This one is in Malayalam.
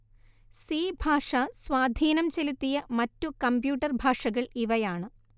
സി ഭാഷ സ്വാധീനം ചെലുത്തിയ മറ്റു കമ്പ്യൂട്ടർ ഭാഷകൾ ഇവയാണ്